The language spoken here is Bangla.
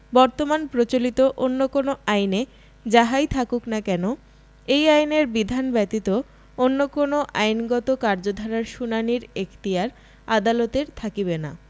বর্তমান প্রচলিত অন্য কোন আইনে যাহাই থাকুক না কেন এই আইনের বিধান ব্যতীত অন্য কোন আইনগত কার্যধারার শুনানীর এখতিয়ার আদালতের থাকিবে না